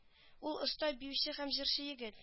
Ул оста биюче һәм җырчы егет